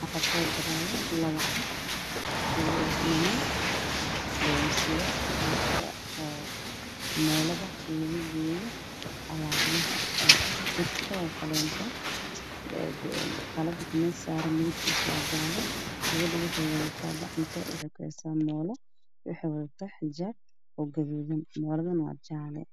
Halkaan waxaa ka muuqdo labo wiil iyo labo gabdhood waxayna wiilasha ay qabaan shaati buluug ah iyo koofiyad buluug ah gabadhna waxay qabtaa hijaab guduudan midna waxay qabtaa jibaab buluug ah misskana waxaa saaran qalab electronic ah sida moolada oo kale